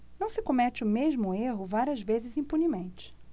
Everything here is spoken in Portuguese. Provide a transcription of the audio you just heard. não se comete o mesmo erro várias vezes impunemente